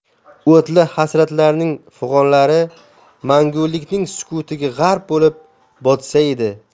o'tli hasratlarning fig'onlari mangulikning sukutiga g'arq bo'lib botsa edi